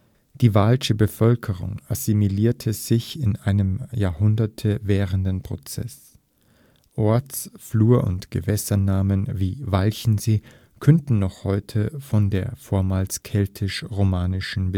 Die walsche Bevölkerung assimilierte sich in einem Jahrhunderte währenden Prozess; Orts -, Flur - und Gewässernamen wie Walchensee künden noch heute von der vormals keltisch-romanischen